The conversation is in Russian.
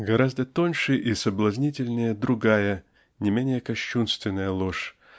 Гораздо тоньше и соблазнительнее другая не менее кощунственная ложь